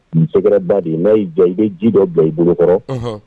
Muso da de ye n'a jɔ i bɛ ji dɔ bila i bolo kɔrɔ